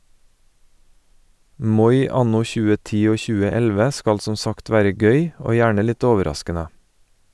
Moi anno 2010 og 2011 skal som sagt være gøy, og gjerne litt overraskende.